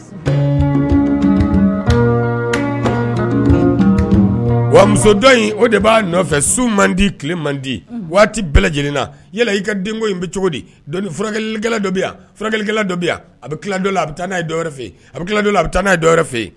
Wa muso o de b'a nɔfɛ su man di tile man di waati bɛɛ lajɛlenna yala i ka den in bɛ cogo dikɛla dɔ furakɛkɛla a bɛ la a bɛ taa n'a yeɛrɛ fɛ a bɛ a bɛ taa n'aɛrɛ fɛ